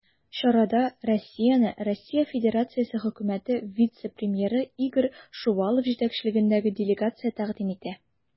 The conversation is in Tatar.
Чарада Россияне РФ Хөкүмәте вице-премьеры Игорь Шувалов җитәкчелегендәге делегация тәкъдим итә.